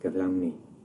gyflawni.